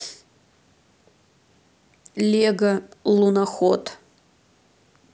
лего луноход